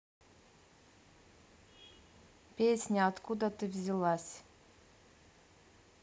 песня откуда ты взялась